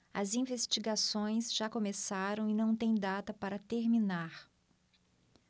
as investigações já começaram e não têm data para terminar